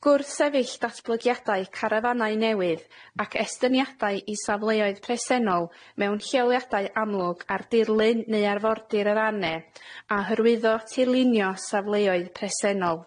Gwrthsefyll datblygiadau carafanau newydd ac estyniadau i safleoedd presennol mewn lleoliadau amlwg ar dirlun neu arfordir yr AHNE, a hyrwyddo tirlunio safleoedd presennol.